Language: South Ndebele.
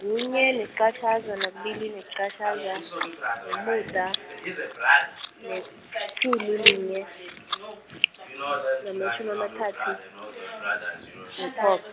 kunye neqatjhaza nakubili neqatjhaza, mumuda, netjhumi linye, namatjhumi amathathu, nethob-.